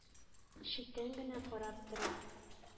Читтән генә карап тора.